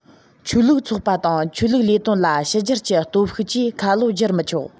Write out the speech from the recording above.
ཆོས ལུགས ཚོགས པ དང ཆོས ལུགས ལས དོན ལ ཕྱི རྒྱལ གྱི སྟོབས ཤུགས ཀྱིས ཁ ལོ སྒྱུར མི ཆོག